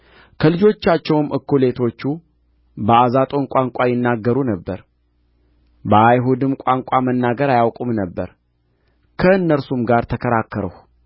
ከልጆቻቸውም እኵሌቶቹ በአዛጦን ቋንቋ ይናገሩ ነበር በአይሁድም ቋንቋ መናገር አያውቁም ነበር ከእነርሱም ጋር ተከራከርሁ